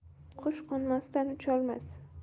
qush qo'nmasdan ucholmas